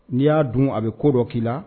N'i y'a dun a bɛ ko dɔ k'i la